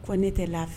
Kɔ ne tɛ laf